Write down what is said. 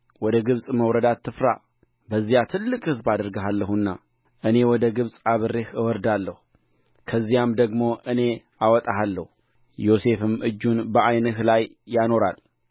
ማንፌን ሑፊም ጌራም አርድን ወለደ ለያዕቆብ የተወለዱለት የራሔልም ልጆች እነዚህ ናቸው